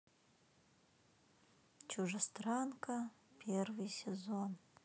чужестранка первый сезон